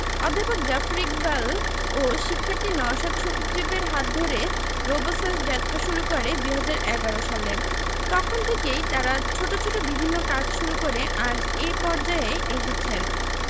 অধ্যাপক জাফর ইকবাল ও শিক্ষার্থী নওশাদ সজীবের হাত ধরে রোবোসাস্ট যাত্রা শুরু করে ২০১১ সালে তখন থেকেই তারা ছোট ছোট বিভিন্ন কাজ শুরু করে আজ এ পর্যায়ে এসেছেন